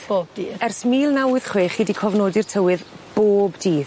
Bob dydd. Ers mil naw wyth chwech chi 'di cofnodi'r tywydd bob dydd?